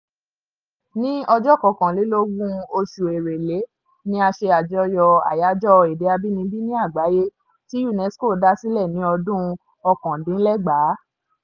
Ní ọjọ́ 21 oṣù Èrèlé ni a ṣe àjọyọ̀ Àyájọ́ Èdè Abínibí ní Àgbáyé, tí UNESCO dá sílẹ̀ ní ọdún 1999.